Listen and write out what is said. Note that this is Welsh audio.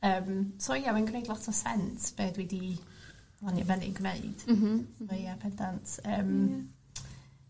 yym so ie mae'n gneud lot o sense be' dwi 'di benni fyny'n gneud. M-hm. So ie pendant. Yym. Ie.